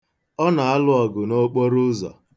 Ọ na-alụ ọgụ n'okporo ụzọ.